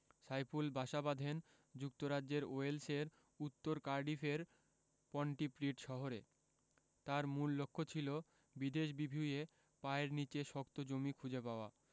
সাইফুল বাসা বাঁধেন যুক্তরাজ্যের ওয়েলসের উত্তর কার্ডিফের পন্টিপ্রিড শহরে তাঁর মূল লক্ষ্য ছিল বিদেশ বিভুঁইয়ে পায়ের নিচে শক্ত জমি খুঁজে পাওয়া